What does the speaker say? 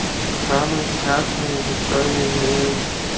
самые страшные истории в мире